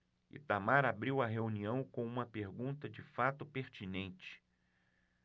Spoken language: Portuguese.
itamar abriu a reunião com uma pergunta de fato pertinente